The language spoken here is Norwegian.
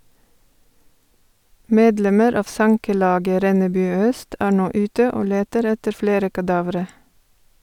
Medlemmer av sankelaget Rennebu Øst er nå ute og leter etter flere kadavre.